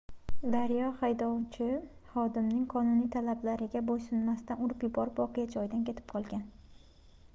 daryo haydovchi xodimning qonuniy talablariga bo'ysunmasdan urib yuborib voqea joyidan ketib qolgan